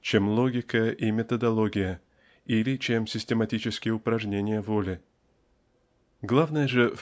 чем логика и методология или чем систематические упражнения воли. Главное же